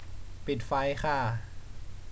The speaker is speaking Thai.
ปิดไฟค่ะ